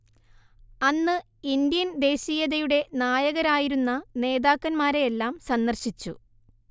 അന്ന് ഇൻഡ്യൻ ദേശീയതയുടെ നായകരായിരുന്ന നേതാക്കന്മാരെയെല്ലാം സന്ദർശിച്ചു